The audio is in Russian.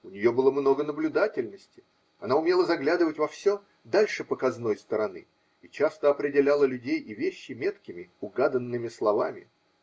У нее было много наблюдательности, она умела заглядывать во все дальше показной стороны и часто определяла людей и вещи меткими, угаданными словами.